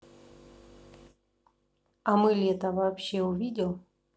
а мы лето вообще увидел